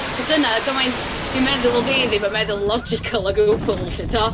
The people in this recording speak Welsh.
So dyna gymaint 'di meddwl fi ddim yn medddwl logical o gwbl 'lly timod.